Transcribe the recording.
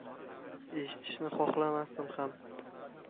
eshitishni xohlamasdim ham